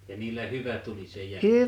ja niillä hyvä tuli se jälki